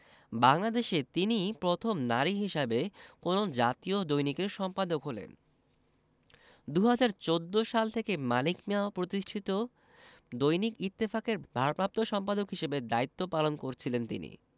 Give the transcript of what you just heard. বাংলাদেশে তিনিই প্রথম নারী হিসেবে কোনো জাতীয় দৈনিকের সম্পাদক হলেন ২০১৪ সাল থেকে মানিক মিঞা প্রতিষ্ঠিত দৈনিক ইত্তেফাকের ভারপ্রাপ্ত সম্পাদক হিসেবে দায়িত্ব পালন করছিলেন তিনি